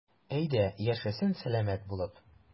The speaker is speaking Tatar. Әйдә, яшәсен сәламәт булып.